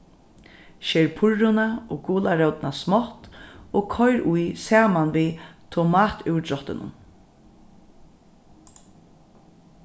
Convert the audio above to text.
sker purruna og gularótina smátt og koyr í saman við tomatúrdráttinum